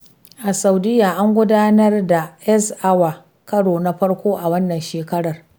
A Saudiyya, an gudanar da Earth Hour karo na farko a wannan shekarar.